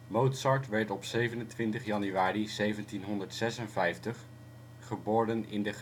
Mozart werd op 27 januari 1756 geboren in de Getreidegasse